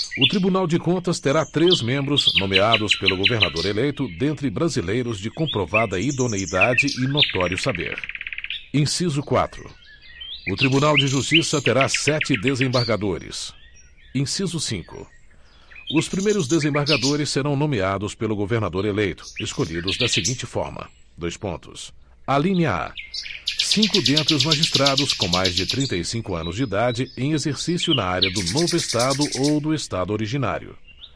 o tribunal de contas terá três membros nomeados pelo governador eleito dentre brasileiros de comprovada idoneidade e notório saber inciso quatro o tribunal de justiça terá sete desembargadores inciso cinco os primeiros desembargadores serão nomeados pelo governador eleito escolhidos da seguinte forma dois pontos alínea a cinco dentre os magistrados com mais de trinta e cinco anos de idade em exercício na área do novo estado ou do estado originário